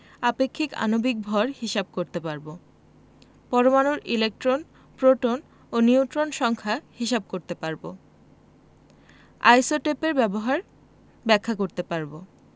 আপেক্ষিক আণবিক ভর হিসাব করতে পারব পরমাণুর ইলেকট্রন প্রোটন ও নিউট্রন সংখ্যা হিসাব করতে পারব আইসোটোপের ব্যবহার ব্যাখ্যা করতে পারব